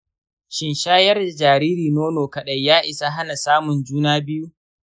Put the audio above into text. shin shayar da jariri nono kaɗai ya isa hana samun juna biyu?